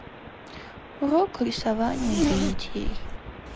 урок рисования для детей